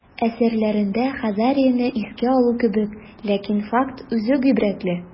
Әсәрләрендә Хазарияне искә алу кебек, ләкин факт үзе гыйбрәтле.